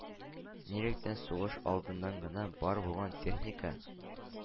Нилектән сугыш алдыннан гына бар булган техника,